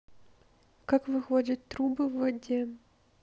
как выходят трубы в воде